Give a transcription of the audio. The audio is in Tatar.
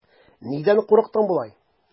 Нидән курыктың болай?